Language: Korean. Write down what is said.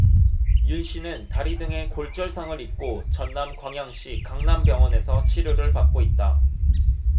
윤씨는 다리 등에 골절상을 입고 전남 광양시 강남병원에서 치료를 받고 있다